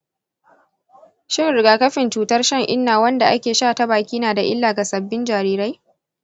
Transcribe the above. shin rigakafin cutar shan-inna wanda ake sha ta baki nada da illa ga sabbin jarirai?